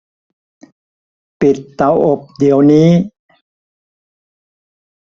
ปิดเตาอบเดี๋ยวนี้